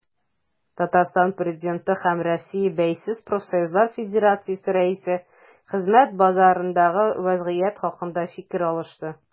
Татарстан Президенты һәм Россия Бәйсез профсоюзлар федерациясе рәисе хезмәт базарындагы вәзгыять хакында фикер алышты.